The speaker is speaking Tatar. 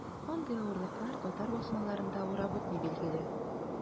Андый авырлыклар татар басмаларын да урап үтми, билгеле.